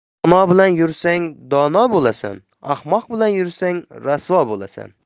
dono bilan yursang dono bo'lasan ahmoq bilan yursang rasvo bo'lasan